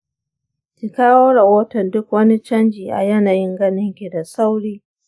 ki kawo rahotan duk wani canji a yanayin ganinki da sauri.